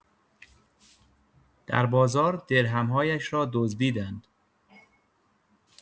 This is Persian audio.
در بازار درهم‌هایش را دزدیدند